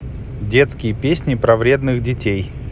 детские песни про вредных детей